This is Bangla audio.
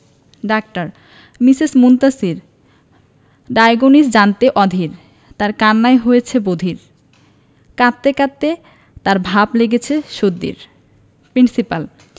ডাক্তার মিসেস মুনতাসীর ডায়োগনসিস জানতে অধীর তার কান্নায় হয়েছি বধির কাঁদতে কাঁদতে তার ভাব লেগেছে সর্দির প্রিন্সিপাল